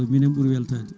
minen ɓuuri weltade